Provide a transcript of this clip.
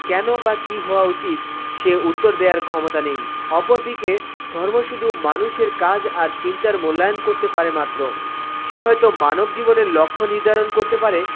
কেন বা কি হওয়া উচিত তার উত্তর দেয়ার ক্ষমতা নেই অপরদিকে ধর্ম শুধু মানুষের কাজ আর চিন্তার মূল্যায়ন করতে পারে মাত্র সে হয়তো মানব জীবনের লক্ষ্য নির্ধারণ করতে পারে